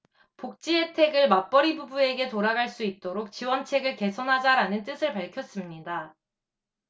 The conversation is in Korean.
복지혜택을 맞벌이 부부에게 돌아갈 수 있도록 지원책을 개선하자 라는 뜻을 밝혔습니다